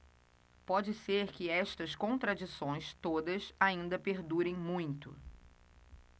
pode ser que estas contradições todas ainda perdurem muito